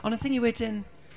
Ond y thing yw wedyn...